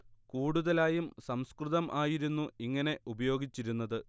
കൂടുതലായും സംസ്കൃതം ആയിരുന്നു ഇങ്ങനെ ഉപയോഗിച്ചിരുന്നത്